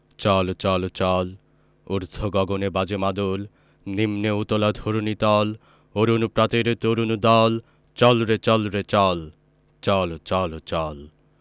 চল চল চল ঊর্ধ্ব গগনে বাজে মাদল নিম্নে উতলা ধরণি তল অরুণ প্রাতের তরুণ দল চল রে চল রে চল চল চল চল